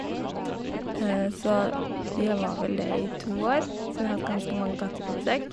Så v vi var vel det i to år, så vi har hatt ganske mange katter på besøk.